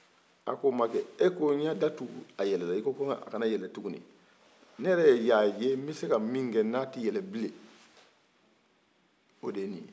a ko ma kɛ e ko ni ye da tugu a yɛlɛla i ko a kana yɛlɛ tuguni ne y'a ye n bɛ se ka min n'a tɛ yɛlɛ bilen o de ye nin ye